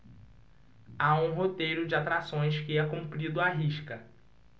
há um roteiro de atrações que é cumprido à risca